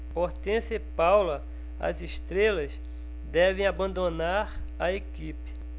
hortência e paula as estrelas devem abandonar a equipe